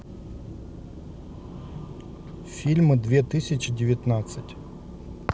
фильмы две тысячи девятнадцать